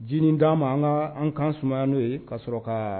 J d'a ma an ka an kan suma n'o ye ka sɔrɔ ka